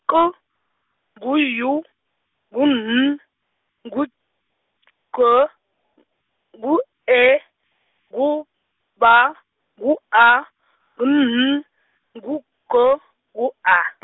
K, ngu Y, ngu N, ngu G n-, ngu E, ngu B, ngu A, ngu N, ngu G, ngu A .